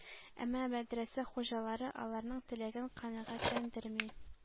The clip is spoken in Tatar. Әмма мәдрәсә хуҗалары ал арның теләген канәгатьләндерми.